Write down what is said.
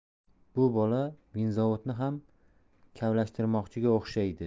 bu bola vinzavodni ham kavlashtirmoqchiga o'xshaydi